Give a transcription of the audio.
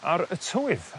ar y tywydd